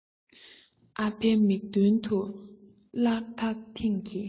ཨ ཕའི མིག མདུན དུ སླར ད ཐེངས ཀྱི